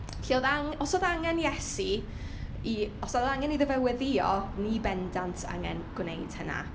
Felly, oedd ang- os oedd angen Iesu i... os oedd angen iddo fe weddïo, ni bendant angen gwneud hynna.